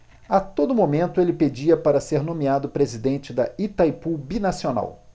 a todo momento ele pedia para ser nomeado presidente de itaipu binacional